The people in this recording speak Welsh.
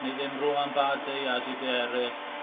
ne' ddim Romain Bardet Aa Jei deus Err